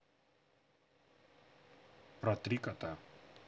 про три кота